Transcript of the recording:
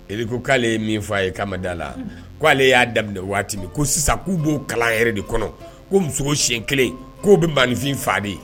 Eli ko k'ale ye min f'a ye k'a ma da la, k'ale y'a daminɛ waati min, ko sisan k'u b'o kalan yɛrɛ de kɔnɔ. Ko muso ko senɲɛ 1 k'o bɛ maninfin faga de.